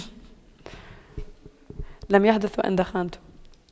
لم يحدث ان دخنت